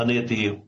Hynny ydi,